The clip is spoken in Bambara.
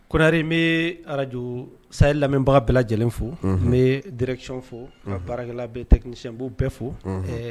Kori n bɛ arajo sayi lamɛnbaga bɛɛ lajɛlen fo n bɛ dɛrɛc fo baarakɛlala bɛksibo bɛɛ fo ɛɛ